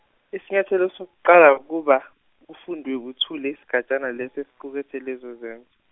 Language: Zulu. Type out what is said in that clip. isinyathelo sokuqala nguba, kufundwe buthule isigatshana lesi esiqukethe lezo zenzo.